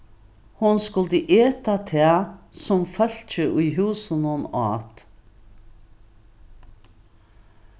hon skuldi eta tað sum fólkið í húsinum át